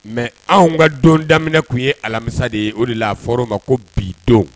Mais_ anw ka don daminɛ tun ye alamisa de ye, o de la a fɔra o ma ko bi don